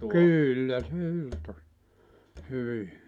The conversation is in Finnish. kyllä se irtosi hyvin